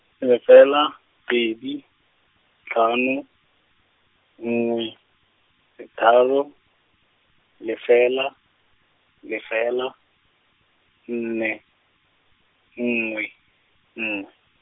le fela pedi, tlhano, nngwe, thataro, lefela, lefela, nne, nngwe, nngwe.